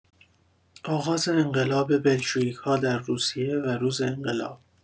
آغاز انقلاب بلشویک‌ها در روسیه و روز انقلاب